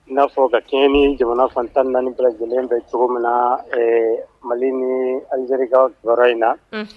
N'a fɔ ka kɛɲɛ ni jamana fantan naani bara lajɛlenlen bɛ cogo min na mali ni alizeri jɔyɔrɔ in na